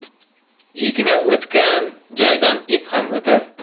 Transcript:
igna o'tgan joydan ip ham o'tar